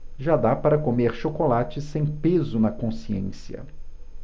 já dá para comer chocolate sem peso na consciência